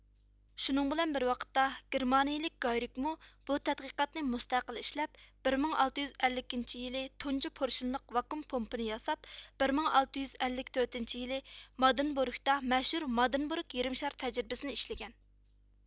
شۇنىڭ بىلەن بىر ۋاقىتتا گېرمانىيىلىك گايرىكمۇ بۇ تەتقىقاتنى مۇستەقىل ئىشلەپ بىر مىڭ ئالتە يۈز ئەللىكىنچى يىلى تۇنجى پۇرشىنلىق ۋاكۇئۇم پومپىنى ياساپ بىر مىڭ ئالتە يۈز ئەللىك تۆتىنچى يىلى مادىنبورۇگتا مەشھۇر مادېنبورۇگ يېرىم شار تەجرىبىسىنى ئىشلىگەن